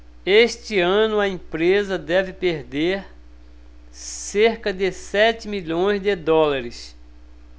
este ano a empresa deve perder cerca de sete milhões de dólares